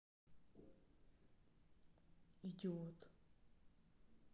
идиот